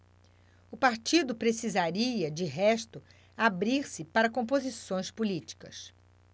o partido precisaria de resto abrir-se para composições políticas